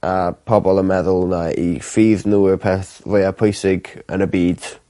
A pobol yn meddwl mai 'u ffydd n'w yw'r peth fwa pwysig yn y byd.